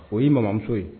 O ye mamuso ye